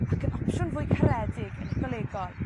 ac yn opsiwn fwy caredig yn ecolegol